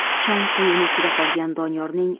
chang quyuni ichida qolgan doniyorning